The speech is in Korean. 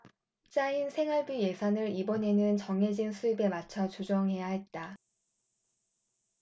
짜인 생활비 예산을 이번에는 정해진 수입에 맞춰 조정해야 했다